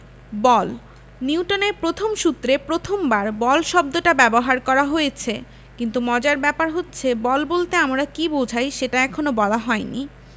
বল নিউটনের প্রথম সূত্রে প্রথমবার বল শব্দটা ব্যবহার করা হয়েছে কিন্তু মজার ব্যাপার হচ্ছে বল বলতে আমরা কী বোঝাই সেটা এখনো বলা হয়নি